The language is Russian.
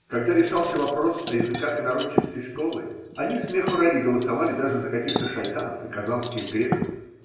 Когда решался вопрос о языках инородческой школы, они, смеху ради, голосовали даже за каких-то шайтанов и казанских греков